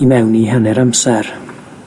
i mewn i hanner amser.